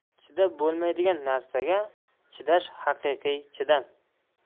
chidab bo'lmaydigan narsaga chidash haqiqiy chidam